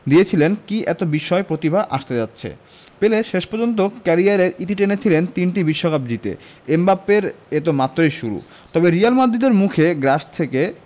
দিয়েছিলেন কী এত বিস্ময় প্রতিভা আসতে যাচ্ছে পেলে শেষ পর্যন্ত ক্যারিয়ারের ইতি টেনেছিলেন তিনটি বিশ্বকাপ জিতে এমবাপ্পের এ তো মাত্রই শুরু তবে রিয়াল মাদ্রিদের মুখে গ্রাস থেকে